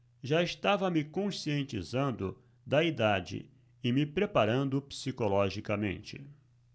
já estava me conscientizando da idade e me preparando psicologicamente